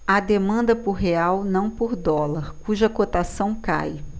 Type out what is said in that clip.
há demanda por real não por dólar cuja cotação cai